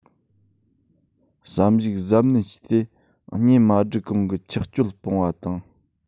བསམ གཞིགས གཟབ ནན བྱས ཏེ གཉེན མ སྒྲིག གོང གི ཆགས སྤྱོད སྤངས པ དང